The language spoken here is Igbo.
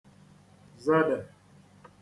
zedè